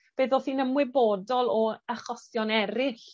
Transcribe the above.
fe ddoth hi'n ymwybodol o achosion eryll